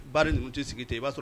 Bar ninnu tɛ sigi ten i b'a sɔrɔ